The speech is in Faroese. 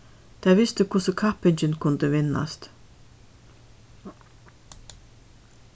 tey vistu hvussu kappingin kundi vinnast